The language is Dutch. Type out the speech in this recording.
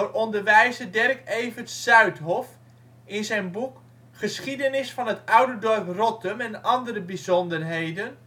onderwijzer Derk Everts Zuidhof in zijn boek Geschiedenis van het oude dorp Rottum en andere bijzonderheden